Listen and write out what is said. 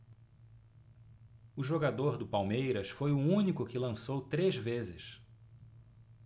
o jogador do palmeiras foi o único que lançou três vezes